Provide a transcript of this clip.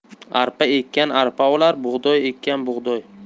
arpa ekkan arpa olar bug'doy ekkan bug'doy